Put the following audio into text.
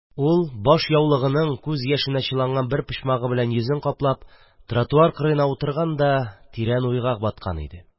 Ул баш яулыгының күз яшенә чыланган бер почмагы белән йөзен каплап тротуар кырыена утырган да, тирән уйга баткан иде.